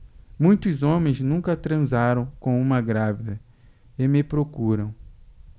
muitos homens nunca transaram com uma grávida e me procuram